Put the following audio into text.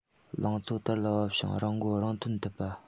ལང ཚོ དར ལ བབས ཤིང རང མགོ རང ཐོན ཐུབ པ